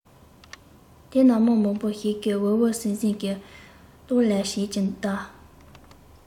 དེ ན མི མང པོ ཞིག གིས འུར འུར ཟིང ཟིང གིས སྟོན ལས བྱེད ཀྱིན གདའ